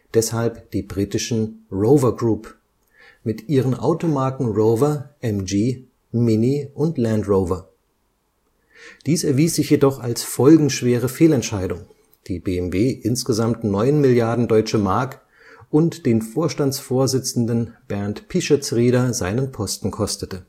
deshalb die britischen Rover Group mit ihren Automarken Rover, MG, Mini und Land Rover. Dies erwies sich jedoch als folgenschwere Fehlentscheidung, die BMW insgesamt neun Milliarden Deutsche Mark und den Vorstandsvorsitzenden Bernd Pischetsrieder seinen Posten kostete